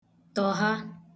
tọ̀ha